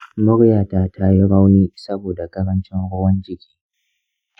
muryata tayi rauni saboda ƙarancin ruwan-jiki.